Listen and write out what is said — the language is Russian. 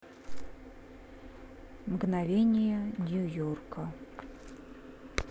мгновения нью йорка